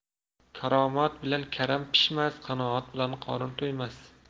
karomat bilan karam pishmas qanoat bilan qorin to'ymas